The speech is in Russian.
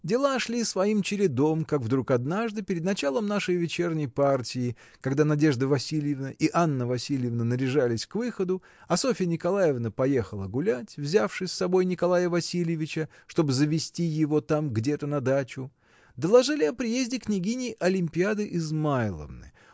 Дела шли своим чередом, как вдруг однажды перед началом нашей вечерней партии, когда Надежда Васильевна и Анна Васильевна наряжались к выходу, а Софья Николаевна поехала гулять, взявши с собой Николая Васильевича, чтоб завезти его там где-то на дачу, — доложили о приезде княгини Олимпиады Измайловны.